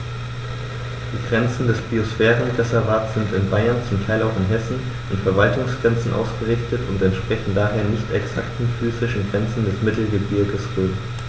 Die Grenzen des Biosphärenreservates sind in Bayern, zum Teil auch in Hessen, an Verwaltungsgrenzen ausgerichtet und entsprechen daher nicht exakten physischen Grenzen des Mittelgebirges Rhön.